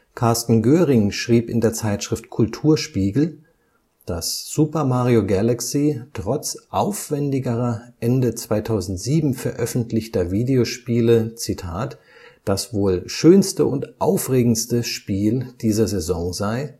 Carsten Göring schrieb in der Zeitschrift Kulturspiegel, dass Super Mario Galaxy trotz aufwändigerer, Ende 2007 veröffentlichter Videospiele „ das wohl schönste und aufregendste Spiel dieser Saison “sei